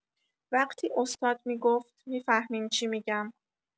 وقتی استاد می‌گفت می‌فهمین چی می‌گم